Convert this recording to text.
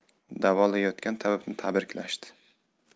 davolayotgan tabibni tabriklashdi